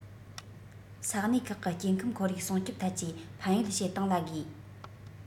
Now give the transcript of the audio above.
ས གནས ཁག གི སྐྱེ ཁམས ཁོར ཡུག སྲུང སྐྱོང ཐད ཀྱི ཕན ཡོད བྱེད སྟངས ལ དགོས